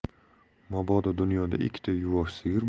mabodo dunyoda ikkita yuvosh sigir